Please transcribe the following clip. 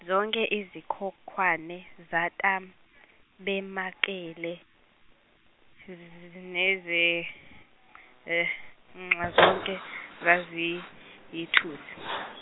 zonke izikhonkwane zaTabemakele, neze, nxa- zonke zaziyithusi.